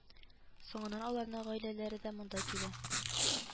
Соңыннан аларның гаиләләре дә монда килә